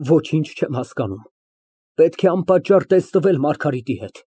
Ոչինչ չեմ հասկանում։ Պետք է անպատճառ տեսնվել Մարգարիտի հետ։